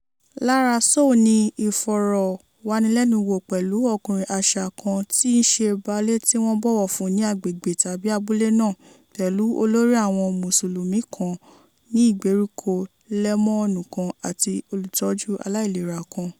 Lára Sow ní ìfọ̀rọ̀wánilẹ́nuwò pẹ̀lú "ọkùnrin àṣà", kan tíí ṣe baálé tí wọ́n bọ̀wọ̀ fún ní agbègbè tàbí abúlé náà, pẹ̀lú olórí àwọn Mùsùlùmí kan ní ìgbèríko (lèmọ́ọ́mù kan) àti olùtọ́jú aláìlera kan.